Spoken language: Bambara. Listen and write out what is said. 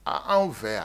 Aa an fɛ yen